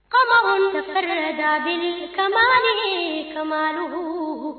Faamakuntigɛ da kaban kadugu